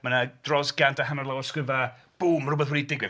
Mae 'na dros cant a hanner o lawysgrifau boom rhywbeth wedi digwydd.